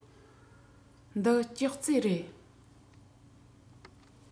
འདི ཅོག ཙེ རེད